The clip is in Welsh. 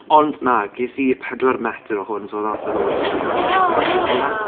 Ond na, ges i pedwar metr o hwn so wnaeth e ddod at like ugen punt, rywbeth fel 'na?